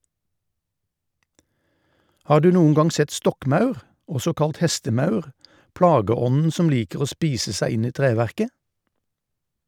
Har du noen gang sett stokkmaur , også kalt hestemaur, plageånden som liker å spise seg inn i treverket?